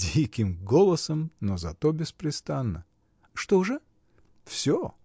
— Диким голосом, но зато беспрестанно. — Что же? — Всё.